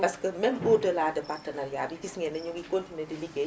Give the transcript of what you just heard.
parce que même au delà de partenariat bi gis ngeen ne ñu ngi continué di liggéey